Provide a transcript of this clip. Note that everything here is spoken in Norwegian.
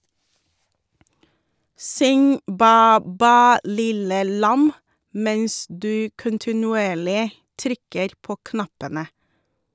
Syng "Bæ bæ lille lam" mens du kontinuerlig trykker på knappene.